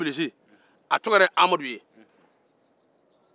bilisi tɔgɔ yɛrɛ ye amadu ye